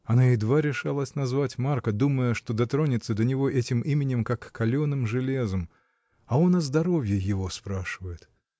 Она едва решалась назвать Марка, думая, что дотронется до него этим именем, как каленым железом, — а он о здоровье его спрашивает!